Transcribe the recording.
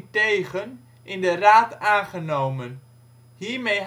tegen in de raad aangenomen. Hiermee